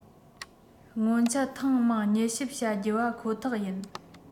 སྔོན ཆད ཐེངས མང མྱུལ ཞིབ བྱ རྒྱུ པ ཁོ ཐག ཡིན